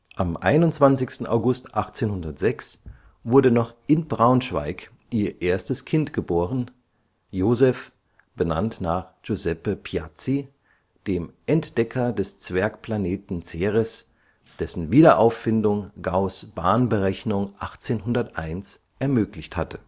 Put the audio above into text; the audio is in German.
Am 21. August 1806 wurde noch in Braunschweig ihr erstes Kind geboren, Joseph († 4. Juli 1873), benannt nach Giuseppe Piazzi, dem Entdecker des Zwergplaneten Ceres, dessen Wiederauffindung Gauß’ Bahnberechnung 1801 ermöglicht hatte